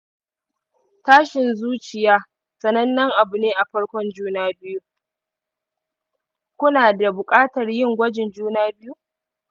tashin zuciya sanannen abu ne a farko juna-biyu, ku na da buƙatar yin gwajin juna-biyu